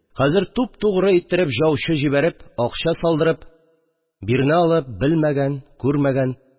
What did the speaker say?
Хәзер туп-тугры иттереп яучы җибәреп, акча салдырып, бирнә алып, белмәгән, күрмәгән